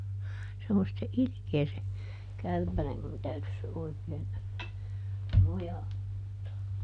se on sitten ilkeä se kärpänen minun täytyisi se oikein mojauttaa